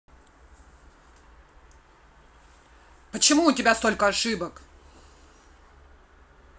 почему у тебя столько ошибок